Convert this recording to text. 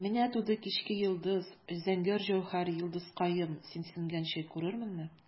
Менә туды кичке йолдыз, зәңгәр җәүһәр, йолдызкаем, син сүнгәнче күрерменме?